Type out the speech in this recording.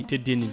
teddedi ndi